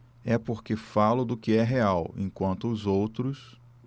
é porque falo do que é real enquanto os outros